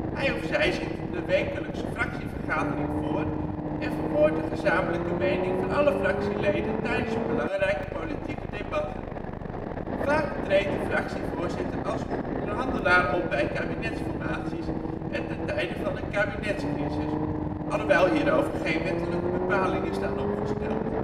Hij/zij zit de wekelijkse fractievergadering voor en verwoordt de gezamenlijke mening van alle fractieleden tijdens belangrijke poltieke debatten. Vaak treedt de fractievoorzitter als onderhandelaar op bij kabinetsformaties en ten tijde van een kabinetscrisis, alhoewel hierover geen wettelijke bepalingen staan opgesteld